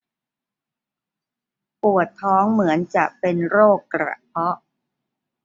ปวดท้องเหมือนจะเป็นโรคกระเพาะ